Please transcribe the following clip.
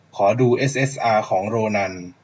ขอดูเอสเอสอาของโรนัน